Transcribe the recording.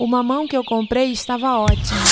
o mamão que eu comprei estava ótimo